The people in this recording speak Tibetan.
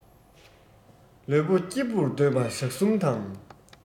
ལུས པོ སྐྱིད པོར སྡོད པ ཞག གསུམ དང